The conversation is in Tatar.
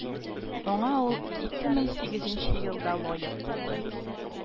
Аңа ул ике мең сигезенче елда лаек булды